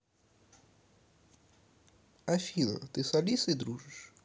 афина ты с алисой дружишь